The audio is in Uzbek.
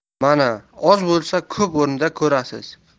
mana oz bo'lsa ko'p o'rnida ko'rasiz